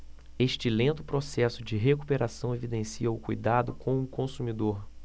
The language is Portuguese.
este lento processo de recuperação evidencia o cuidado com o consumidor